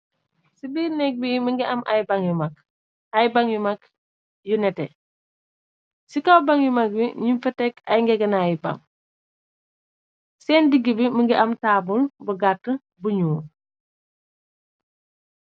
Ci biir nekk bi mëngi am ay baŋ yu mag xay baŋ yu mag yu nete ci kaw baŋ yu mag wi ñuñ fa tekk ay ngegenayu baŋ seen digg bi mëngi am taabul bu gàtt buñuu.